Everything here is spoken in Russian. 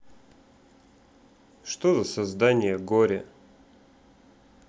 что за создание горе